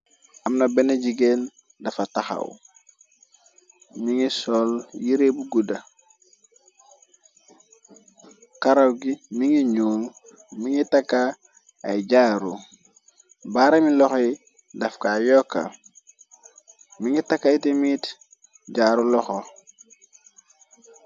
Amna benn jigéen dafa taxaw mi ngi sool yiree bu gudda karaw gi mi ngi ñyuul mi ngi takka ay jaaru baarami loxi dafka ay yokka mi ngi taka iti miit jaaru loxo.